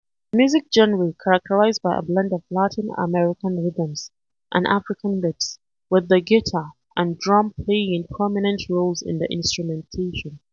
A music genre characterized by a blend of Latin American rhythms and African beats, with the guitar and drum playing prominent roles in the instrumentation.